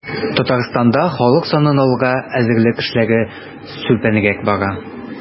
Татарстанда халык санын алуга әзерлек эшләре сүлпәнрәк бара.